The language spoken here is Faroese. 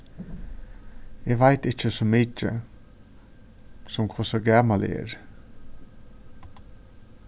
eg veit ikki so mikið sum hvussu gamal eg eri